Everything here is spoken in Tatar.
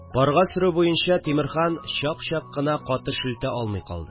Парга сөрү буенча Тимерхан чак-чак кына каты шелтә алмый калды